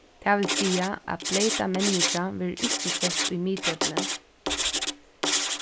tað vil siga at bleyta menniskjað verður ikki sett í miðdepilin